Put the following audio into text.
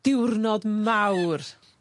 diwrnod mawr